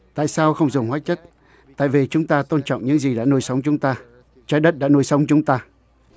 tại sao không dùng hóa chất tại vì chúng ta tôn trọng những gì đã nuôi sống chúng ta trái đất đã nuôi sống chúng ta